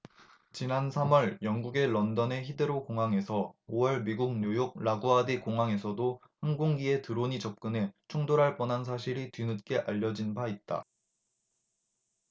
지난 삼 월 영국 런던의 히드로공항에서 오 월 미국 뉴욕 라구아디아공항에서도 항공기에 드론이 접근해 충돌할 뻔한 사실이 뒤늦게 알려진 바 있다